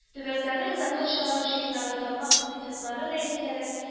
Төбәкләрнең закон чыгару җыеннары тармак комитетлары рәисләре